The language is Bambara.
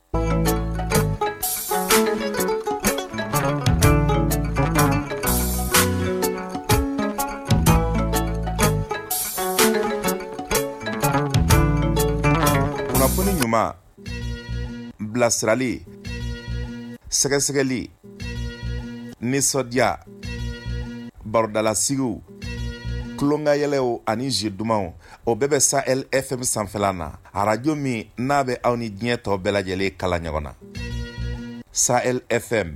Kunnafoni ɲuman bilasirali sɛgɛsɛgɛli nisɔndiya barodalasigi tulonkanyw ani zi dumanumaw o bɛɛ bɛ sa e fɛn sanfɛ na araj min n'a bɛ aw ni diɲɛ tɔw bɛɛ lajɛlen kala ɲɔgɔn na sa e fɛn